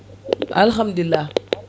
alhamdulillah